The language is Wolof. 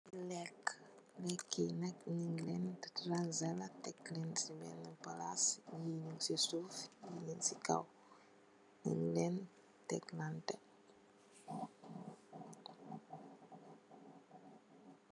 Lekue, lekue yii nak njung len raanzaleh tek len cii benah plass yii nung cii suff, yii nung cii kaw, nung len teglanteh.